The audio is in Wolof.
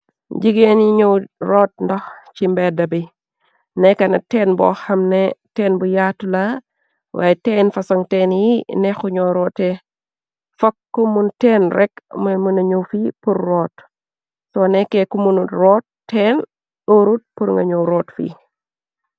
Jigeen yi ñoow root ndox ci mbedda bi, nekkana tenn bo xamne tenn bu yaatu la, waay teen fasoŋ teen yi nexxuñ ñoo roote, fok ku mun tenn rekk mooy mënañu fi pur root, soo nekkee ku munut root teen ërut pur nga ñu root fii.